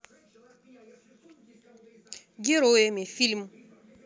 героями фильм